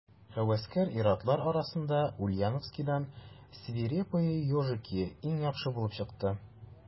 Һәвәскәр ир-атлар арасында Ульяновскидан «Свирепые ежики» иң яхшы булып чыкты.